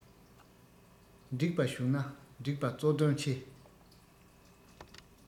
འགྲིག པ བྱུང ན འགྲིགས པ གཙོ དོན ཆེ